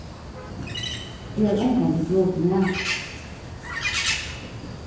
eg havi ongantíð brotið nakað